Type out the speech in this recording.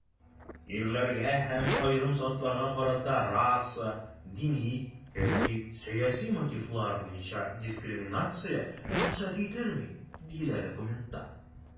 "илләргә һәм аерым затларга карата раса, дини яки сәяси мотивлар буенча дискриминация рөхсәт ителми", - диелә документта.